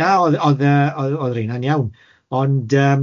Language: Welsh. Na o'dd o'dd yy o'dd o'dd rheinia'n iawn, ond yym